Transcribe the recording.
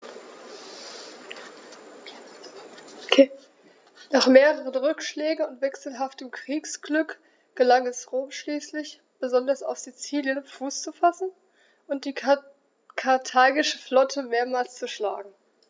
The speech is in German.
Nach mehreren Rückschlägen und wechselhaftem Kriegsglück gelang es Rom schließlich, besonders auf Sizilien Fuß zu fassen und die karthagische Flotte mehrmals zu schlagen.